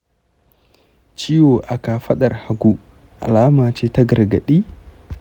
ciwo a kafaɗar hagu alama ce ta gargaɗi?